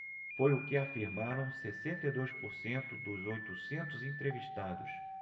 foi o que afirmaram sessenta e dois por cento dos oitocentos entrevistados